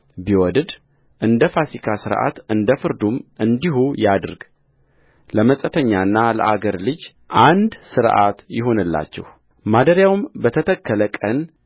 ቢወድድ እንደ ፋሲካ ሥርዓት እንደ ፍርዱም እንዲሁ ያድርግ ለመጻተኛና ለአገር ልጅ አንድ ሥርዓት ይሁንላችሁማደሪያውም በተተከለ ቀን